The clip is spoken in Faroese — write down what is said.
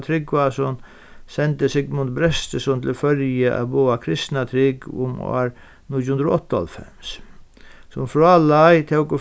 trygvason sendi sigmund brestisson til føroya at boða kristna trúgv um ár níggju hundrað og áttaoghálvfems sum frá leið tóku